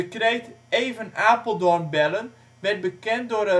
kreet even Apeldoorn bellen werd bekend door